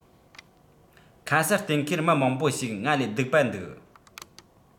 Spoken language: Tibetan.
ཁ གསལ གཏན འཁེལ མི མང པོ ཞིག ང ལས སྡུག པ འདུག